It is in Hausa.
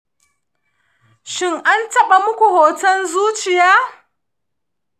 shin an taɓa muku hoton zuciya?